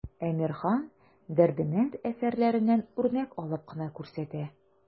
Әмирхан, Дәрдемәнд әсәрләреннән үрнәк алып кына күрсәтә.